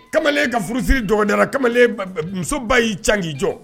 Kamalenle ka furusiri dɔgɔn kamalen musoba y'i ca k'i jɔ